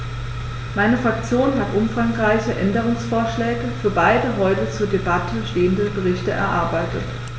Meine Fraktion hat umfangreiche Änderungsvorschläge für beide heute zur Debatte stehenden Berichte erarbeitet.